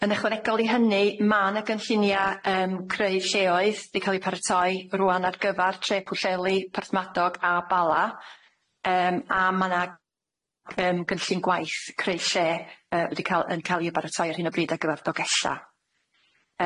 Yn ychwanegol i hynny ma' 'na gynllunia yym creu lleoedd 'di ca'l eu paratoi rŵan ar gyfar tre Pwllheli, Porthmadog a Bala yym a ma' 'na yym gynllun gwaith creu lle yy wedi ca'l yn ca'l i'w baratoi ar hyn o bryd ar gyfar Dolgella.